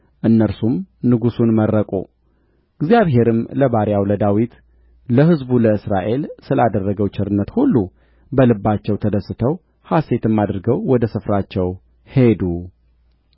እነርሱም ንጉሡን መረቁ እግዚአብሔርም ለባሪያው ለዳዊትና ለሕዝቡ ለእስራኤል ስላደረገው ቸርነት ሁሉ በልባቸው ተደስተው ሐሤትም አድርገው ወደ ስፍራቸው ሄዱ